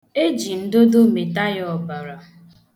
Eji ndụdụ mịta ya ọbara.